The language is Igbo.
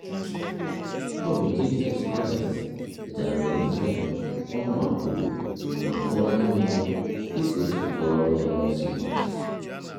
Ọ bụ Jisọs Kraịstị wetara m ozi a, Ouma kwuru , ma kọwaara m ya dị ka o si kọọrọ ya Mosis.